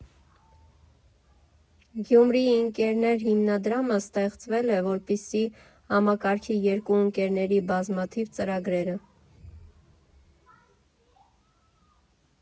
«Գյումրիի ընկերներ» հիմնադրամը ստեղծվել է, որպեսզի համակարգի երկու ընկերների բազմաթիվ ծրագրերը։